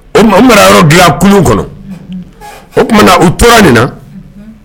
O tuma u nana yɔrɔ dilan kurun kɔnɔ, o tumana u tora nin na, unhun